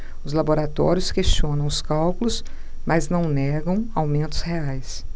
os laboratórios questionam os cálculos mas não negam aumentos reais